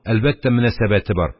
Әлбәттә, мөнәсәбәте бар.